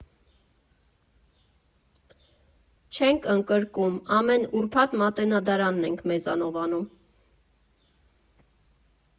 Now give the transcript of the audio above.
Չենք ընկրկում, ամեն ուրբաթ Մատենադարանն ենք մեզանով անում։